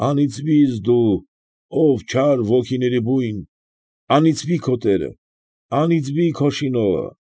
«Անիծվի՛ս դու, ով չար ոգիների բույն, անիծվի քո տերը, անիծվի քո շինողը։